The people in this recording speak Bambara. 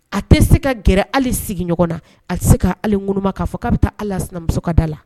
A tɛ se ka gɛrɛ hali sigi ɲɔgɔn na a tɛ se kaale ma k'a fɔ' a bɛ taa ala las sinamuso kada la